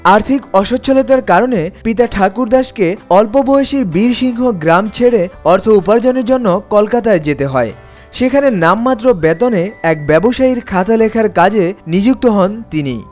আর্থিক অস্বচ্ছলতার কারণে পিতা ঠাকুরদাস কে অল্প বয়সী বীরসিংহ গ্রাম ছেড়ে অর্থ উপার্জনের জন্য কলকাতায় যেতে হয় সেখানে নামমাত্র বেতনে এক ব্যবসায়ীর খাতা লেখার কাজে নিযুক্ত হন তিনি